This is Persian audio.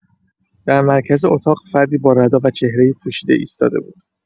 در مرکز اتاق، فردی با ردا و چهره‌ای پوشیده ایستاده بود.